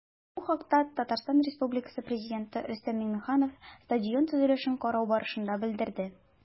Бу хакта ТР Пррезиденты Рөстәм Миңнеханов стадион төзелешен карау барышында белдерде.